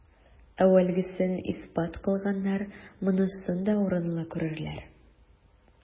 Әүвәлгесен исбат кылганнар монысын да урынлы күрерләр.